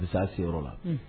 Bɛ seyɔrɔ la